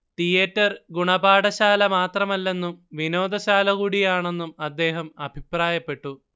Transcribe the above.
theatre ഗുണപാഠശാല മാത്രമല്ലെന്നും വിനോദശാലകൂടിയാണെന്നും അദ്ദേഹം അഭിപ്രായപ്പെട്ടു